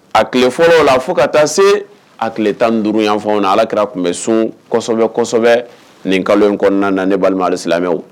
A kile fɔlɔ la fo ka taa se a kile 15 yan fanw na . Alakira kun be sun kosɛbɛ kosɛbɛ nin kalo in kɔnɔna na ne balima silamɛw